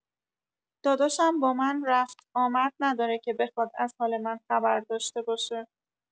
داداشم با من رفت آمد نداره که بخواد از حال من خبر داشته باشه!